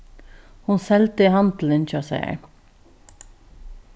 hon seldi handilin hjá sær